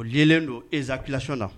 O yelen don eza kilati na